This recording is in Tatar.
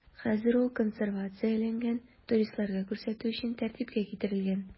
Хәзер ул консервацияләнгән, туристларга күрсәтү өчен тәртипкә китерелгән.